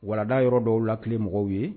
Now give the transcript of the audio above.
Warada yɔrɔ dɔw lakile mɔgɔw ye